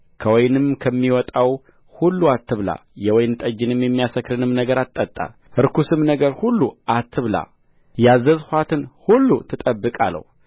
ከወይንም ከሚወጣው ሁሉ አትብላ የወይን ጠጅንም የሚያሰክርንም ነገር አትጠጣ ርኩስም ነገር ሁሉ አትብላ ያዘዝኋትን ሁሉ ትጠብቅ አለው